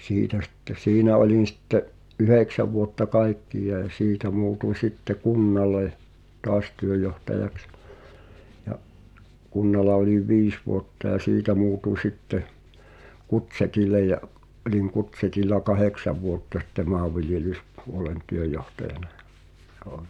siitä sitten siinä olin sitten yhdeksän vuotta kaikkiaan ja siitä muutuin sitten kunnalle taas työjohtajaksi ja kunnalla olin viisi vuotta ja siitä muutin sitten Kutsetille ja olin Kutsetilla kahdeksan vuotta sitten maanviljelyspuolen työjohtajana ja joo